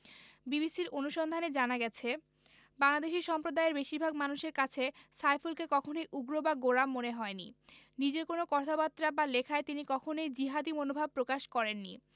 বিবিসির অনুসন্ধানে জানা গেছে বাংলাদেশি সম্প্রদায়ের বেশির ভাগ মানুষের কাছে সাইফুলকে কখনোই উগ্র বা গোঁড়া মনে হয়নি নিজের কোনো কথাবার্তা বা লেখায় তিনি কখনোই জিহাদি মনোভাব প্রকাশ করেননি